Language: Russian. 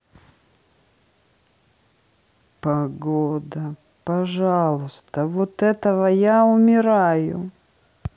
погода пожалуйста вот этого я умираю